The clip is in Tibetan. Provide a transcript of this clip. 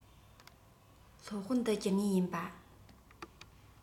སློབ དཔོན ཏུ གྱུར ངེས ཡིན པ